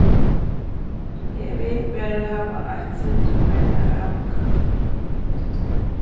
eg vil bara hava eitt sindur meira av kaffi